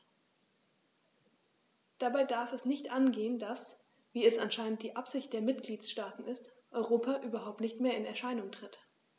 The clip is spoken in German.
Dabei darf es nicht angehen, dass - wie es anscheinend die Absicht der Mitgliedsstaaten ist - Europa überhaupt nicht mehr in Erscheinung tritt.